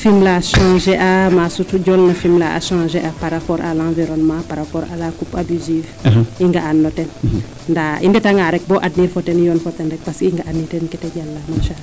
Fimela changer a sutu jol le Fimela a changer a par rapport a l' environnemnt par rapport a al coupe abusive i nga aan no ten ndaa i ndeta nga rek bo adnir fo ten yoon fo ten rek parce que i nga'a na ten keete jala